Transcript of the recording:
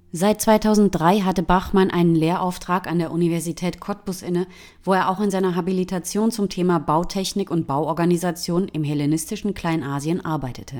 Seit 2003 hatte Bachmann einen Lehrauftrag an der Universität Cottbus inne, wo er auch an seiner Habilitation zum Thema Bautechnik und Bauorganisation im hellenistischen Kleinasien arbeitete